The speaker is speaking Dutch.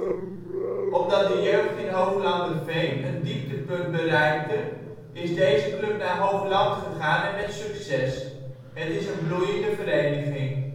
Omdat de jeugd in Hooglanderveen een dieptepunt bereikte is deze club naar Hoogland gegaan en met succes. Het is een bloeiende vereniging